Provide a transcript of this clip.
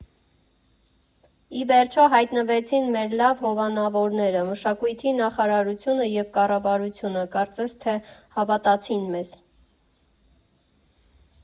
Ի վերջո հայտնվեցին մեր լավ հովանավորները, Մշակույթի նախարարությունը և կառավարությունը կարծես թե հավատացին մեզ։